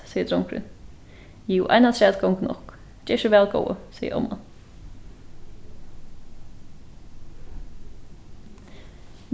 segði drongurin jú ein afturat gongur nokk ger so væl góði segði omman